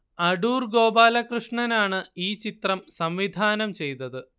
അടൂർ ഗോപാലകൃഷ്ണനാണ് ഈ ചിത്രം സംവിധാനം ചെയ്തത്